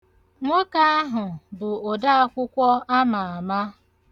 Nwoke ahụ bụ odaakwụkwọ ama ama.